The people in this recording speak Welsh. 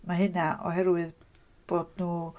Mae hynna oherwydd bod nhw...